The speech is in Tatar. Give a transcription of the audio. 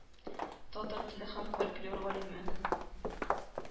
Татар теле һәм фольклор галиме